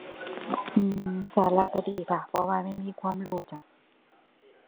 อือ สารคดีค่ะ เพราะว่ามันมีความรู้จ้ะ